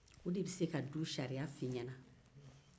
o de bɛ se ka du sariya fɔ i ɲɛ na